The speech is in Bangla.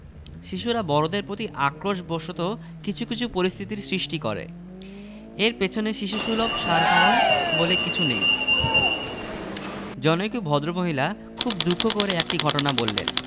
অনেকেই বলেন শিশুরা সত্যবাদী হয় আমার মনে হয় না কথাটা ঠিক তারা সত্যি কথা বলে তখনি যখন কাউকে বিব্রত করার প্রয়ােজন হয় ঘটনাটা বলি